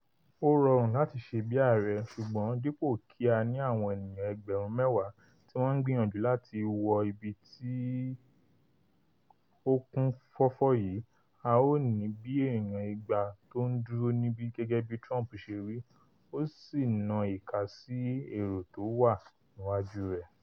Ó rọrùn láti ṣe bí ààrẹ, sùgbọ́n dípò ki a ní àwọn ènìyàń ẹgbẹ̀rún mẹ́wàá ti woń ńgbìyànjú láti wọ ibi tó kún fọ́fọ́ yìí, a ó ní bíi ènìyàn igba tó ńdúró níbí,'' gẹgẹ bíi Trump ṣe wí, ósi ́na ìka sì èrò tówà níwájú rẹ̀.